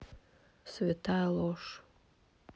святая ложь